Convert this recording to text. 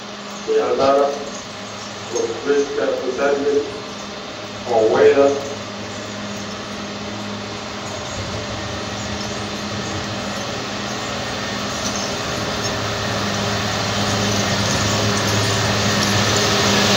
Shey cadaan ah oo weyd ah